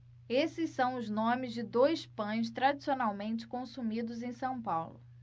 esses são os nomes de dois pães tradicionalmente consumidos em são paulo